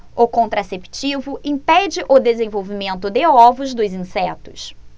o contraceptivo impede o desenvolvimento de ovos dos insetos